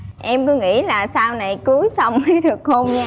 em cứ nghĩ là sau này cưới xong mới được hôn nhau